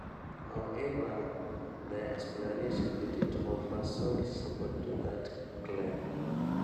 However, their explanation didn’t offer solid support to that claim: